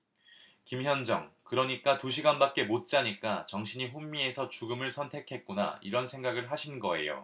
김현정 그러니까 두 시간밖에 못 자니까 정신이 혼미해서 죽음을 선택했구나 이런 생각을 하신 거예요